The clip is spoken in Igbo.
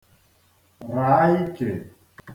ràa ikè